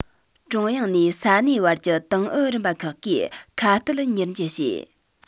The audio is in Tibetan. ཀྲུང དབྱང ནས ས གནས བར གྱི ཏང ཨུ རིམ པ ཁག གིས ཁ གཏད མྱུར འཇལ བྱས